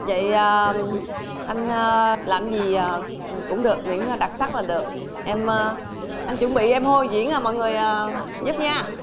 dậy ờ anh ơ làm gì ờ cũng được miễn đặc sắc là được em ơ anh chuẩn bị em hô diễn rồi mọi người ờ giúp nha